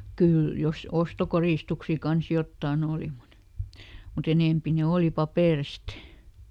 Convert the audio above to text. kyllä jos ostokoristuksia kanssa jotakin oli mutta mutta enempi ne oli paperista